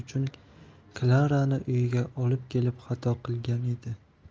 uchun klarani uyiga olib kelib xato qilgan edi